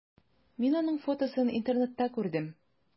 Мин аның фотосын интернетта күрдем.